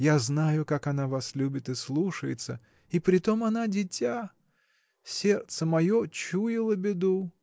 Я знаю, как она вас любит и слушается, и притом она дитя. Сердце мое чуяло беду.